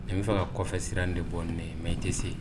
N b bɛa fɛ ka kɔfɛ siran de bɔ nin mɛ i tɛ se